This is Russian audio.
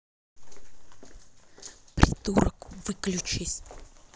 придурок выключись